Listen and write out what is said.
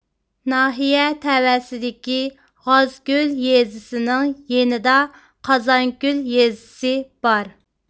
ناھىيە تەۋەسىدىكى غازكۆل يېزىسىنىڭ يېنىدا قازانكۆل يېزىسى بار